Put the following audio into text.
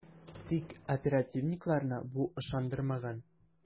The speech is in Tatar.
Тик оперативникларны бу ышандырмаган ..